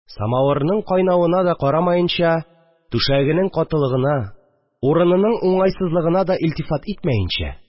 Самавырның кайнавына да карамаенча, түшәгенең катылыгына, урынының уңайсызлыгына да илтифат итмәенчә